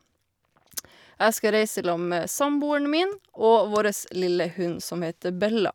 Jeg skal reise i lag med samboeren min og vårres lille hund som heter Bella.